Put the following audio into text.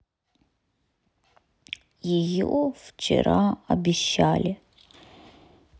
ее вчера обещали